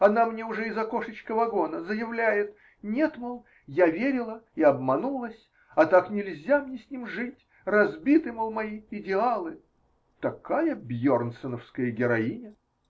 Она мне уже из окошечка вагона заявляет: нет, мол, я верила и обманулась. А так нельзя мне с ним жить. Разбиты, мол, мои идеалы! Такая бьернсоновская героиня!